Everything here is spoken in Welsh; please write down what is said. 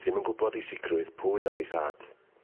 ...ddim yn gwbod i sicrwydd pwy oedd ei thad.